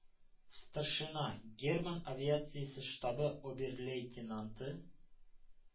«старшина» (герман авиациясе штабы обер-лейтенанты